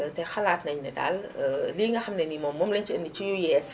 te xalaat nañu ne daal li nga xam ne daal moom lañu ci andi ci yu yees